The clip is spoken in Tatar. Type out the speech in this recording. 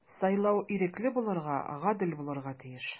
Сайлау ирекле булырга, гадел булырга тиеш.